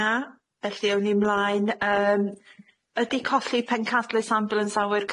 Na? Felly awn ni mlaen yym ydi colli pencadlys ambulans awyr